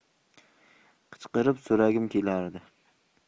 qichqirib so'ragim kelardi